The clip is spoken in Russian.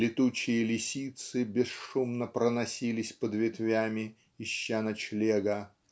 летучие лисицы бесшумно проносились под ветвями ища ночлега